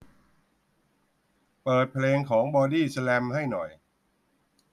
เปิดเพลงของบอดี้สแลมให้หน่อย